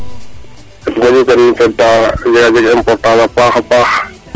ndaxar ke nu cota a jega importance a paaxa paax